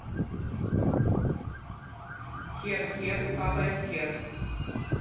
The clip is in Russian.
хер хер капает хер